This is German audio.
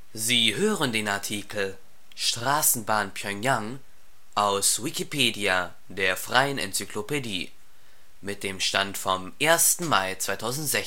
Sie hören den Artikel Straßenbahn Pjöngjang, aus Wikipedia, der freien Enzyklopädie. Mit dem Stand vom Der